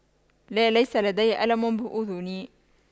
لا ليس لدي ألم بأذني